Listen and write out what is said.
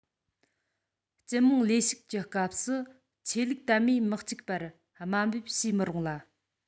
སྤྱི དམངས ལས ཞུགས ཀྱི སྐབས སུ ཆོས ལུགས དད མོས མི གཅིག པར དམའ འབེབས བྱེད མི རུང ལ